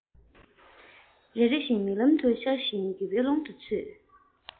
རེ རེ བཞིན མིག ལམ དུ འཆར བཞིན འགྱོད པའི ཀློང དུ ཚུད